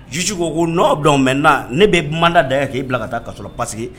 Juge ko non, donc maintenant ne b’i mandat da e kan k'i bila ka taa kaso la parc que